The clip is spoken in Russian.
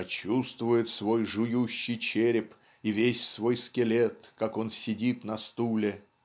я "чувствует свой жующий череп и весь свой скелет. как он сидит на стуле"